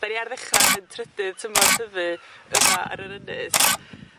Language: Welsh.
'Dan ni ar ddechra 'yn trydydd tymor tyfu yma ar yr ynys